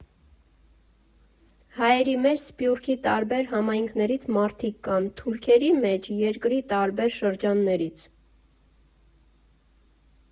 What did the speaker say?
Հայերի մեջ Սփյուռքի տարբեր համայնքներից մարդիկ կան, թուրքերի մեջ՝ երկրի տարբեր շրջաններից։